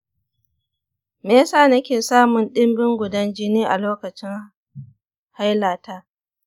me ya sa nake samun ɗumbin gudan jini a lokacin hailata?